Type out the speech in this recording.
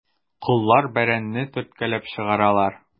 Коллар бәрәнне төрткәләп чыгаралар.